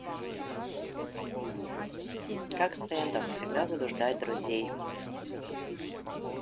как стендов всегда буду ждать друзей